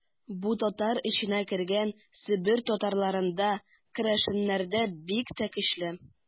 Бу татар эченә кергән Себер татарларында, керәшеннәрдә бигрәк тә көчле.